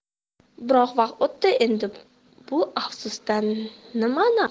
biroq vaqt o'tdi endi bu afsusdan nima naf